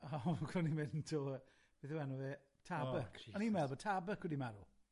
o co ni'n mynd 'to yfe? Beth yw enw fe Tarbuck o'n i'n meddwl bo Tarbuck wedi marw.